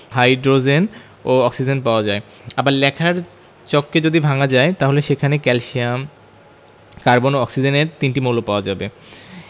hydrogen ও oxygen পাওয়া যায় আবার লেখার চককে যদি ভাঙা যায় তাহলে সেখানে ক্যালসিয়াম কার্বন ও অক্সিজেন এ তিনটি মৌল পাওয়া যাবে